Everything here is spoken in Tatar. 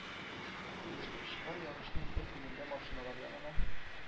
Оештыручылар ярышның бер көнендә машиналар янына